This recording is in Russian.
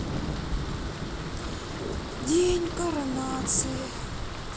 день коронации